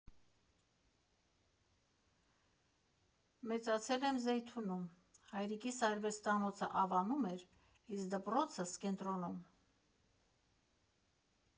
Մեծացել եմ Զեյթունում, հայրիկիս արվեստանոցը Ավանում էր, իսկ դպրոցս՝ Կենտրոնում։